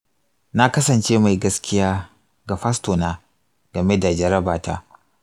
na kasance mai gaskiya ga fastona game da jaraba ta.